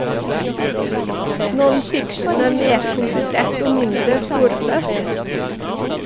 "Non-Fiction" er mer komplisert og mindre forløst.